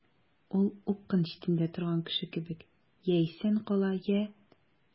Ул упкын читендә торган кеше кебек— я исән кала, я...